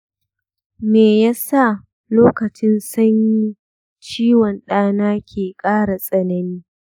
me yasa lokacin sanyi ciwon ɗana ke ƙara tsanani?